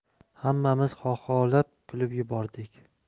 hammamiz xaxolab kulib yubordik